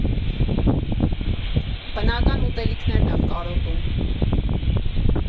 Բնական ուտելիքներն եմ կարոտում.